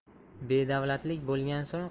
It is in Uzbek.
bedavlatlik bo'lgan so'ng